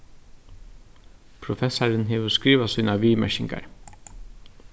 professarin hevur skrivað sínar viðmerkingar